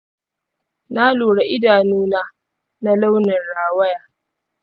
na lura idanu na, na launin rawaya .